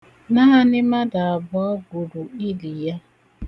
Naanị mmadụ abụọ gwuru ili ya.